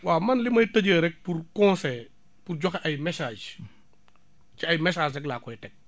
waaw man li may tëjee rek pour conseiller pour joxe ay messages ci ay messages rek laa koy teg bi ci jiitu